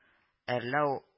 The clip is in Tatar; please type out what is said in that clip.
Әрләү